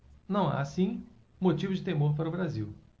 não há assim motivo de temor para o brasil